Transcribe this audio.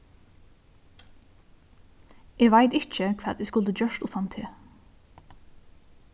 eg veit ikki hvat eg skuldi gjørt uttan teg